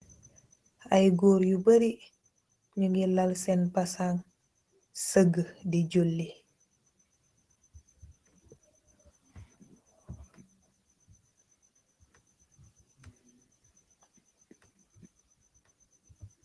Ay goor yu barri ñugi lal sèèn basang sàgi di julli.